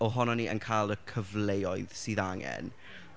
ohonon ni yn cael y cyfleoedd sydd angen.